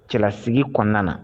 Cɛlasigi kɔnɔna na